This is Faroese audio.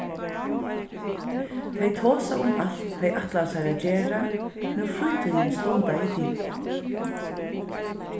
tey tosaðu um alt tey ætlaðu sær at gera nú frítíðin stundaði til